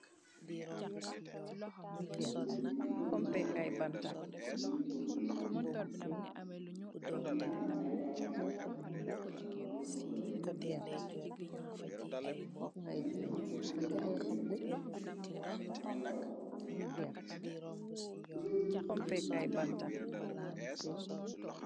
Loor bi mi ngi baori xob te mu ngi tontoor xop yi ni ngaam ay banxaas te xo bi dafa bari beneen fasan floor mi ci pegam te dafa law ci loor bi ci suuf ci nentuj yi.